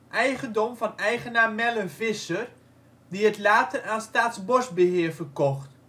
eigendom van eigenaar Melle Visser, die het later aan Staatsbosbeheer verkocht